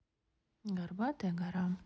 горбатая гора